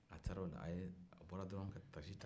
a bra drn ka takisi ta